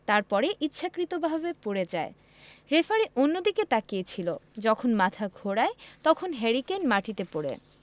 তারপরে ইচ্ছাকৃতভাবে পড়ে যায় রেফারি অন্যদিকে তাকিয়ে ছিল যখন মাথা ঘোরায় তখন হ্যারি কেইন মাটিতে পড়ে